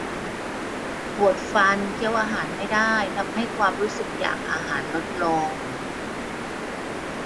ปวดฟันเคี้ยวอาหารไม่ได้ทำให้ความรู้สึกอยากอาหารลดลง